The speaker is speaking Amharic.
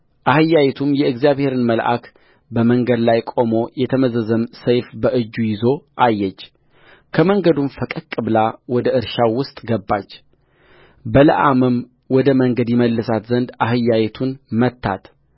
አህያይቱም የእግዚአብሔርን መልአክ በመንገድ ላይ ቆሞ የተመዘዘም ሰይፍ በእጁ ይዞ አየች ከመንገዱም ፈቀቅ ብላ ወደ እርሻው ውስጥ ገባች በለዓምም ወደ መንገድ ይመልሳት ዘንድ አህያይቱን መታት